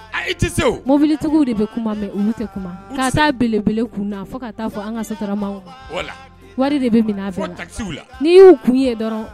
A tɛ mobilitigiw de bɛ kuma mɛ u se kuma karisa belebele kun fɔ ka taa fɔ an karama wari de bɛ fɛ n'i y'u kun ye dɔrɔn